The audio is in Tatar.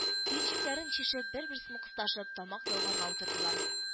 Төенчекләрен чишеп, бер-берсен кысташып тамак ялгарга утырдылар